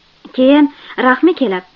keyin rahmi kelib